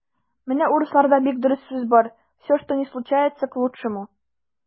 Менә урысларда бик дөрес сүз бар: "все, что ни случается - к лучшему".